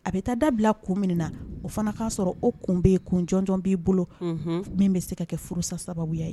A bi taa dabila kun min na o fana ka sɔrɔ o kun bɛ kun jɔnjɔn bi bolo min bɛ se ka kɛ furusa sababuya ye